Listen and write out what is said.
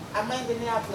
A man ɲi de ne y'a fɔ